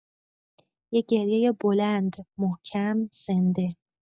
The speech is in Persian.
یه گریۀ بلند، محکم، زنده.